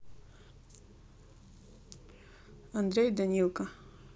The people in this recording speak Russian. андрей данилко